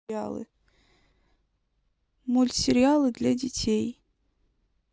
мультсериалы для детей